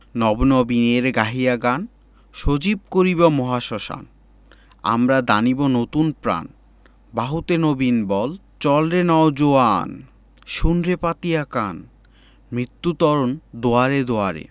নব নবীনের গাহিয়া গান সজীব করিব মহাশ্মশান আমরা দানিব নতুন প্রাণ বাহুতে নবীন বল চল রে নও জোয়ান শোন রে পাতিয়া কান মৃত্যু তরণ দুয়ারে দুয়ারে